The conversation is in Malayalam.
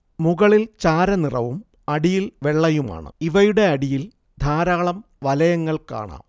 മുകളിൽ ചാര നിറവും അടിയിൽ വെള്ളയുമാണ് ഇവയുടെ അടിയിൽ ധാരാളം വലയങ്ങൾ കാണാം